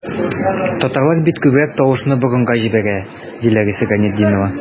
Татарлар бит күбрәк тавышны борынга җибәрә, ди Лариса Гайнетдинова.